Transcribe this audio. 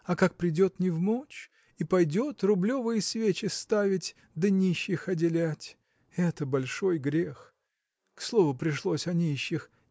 а как придет невмочь – и пойдет рублевые свечи ставить да нищих оделять это большой грех. К слову пришлось о нищих.